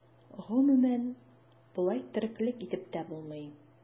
Гомумән, болай тереклек итеп тә булмый.